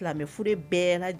Silamɛ furu bɛɛ